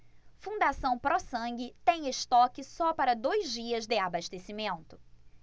fundação pró sangue tem estoque só para dois dias de abastecimento